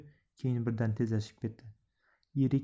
keyin birdan tezlashib ketdi